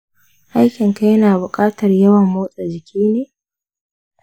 aikinka yana buƙatar yawan motsa jiki ne?